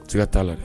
Siga t'a la.